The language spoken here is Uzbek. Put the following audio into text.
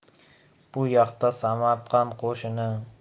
bu yoqda samarqand qo'shini